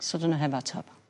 So 'dan n'w heb atab.